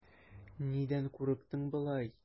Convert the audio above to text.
Нидән курыктың болай?